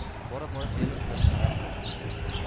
bora bora beli zirqillab og'riy boshlaydi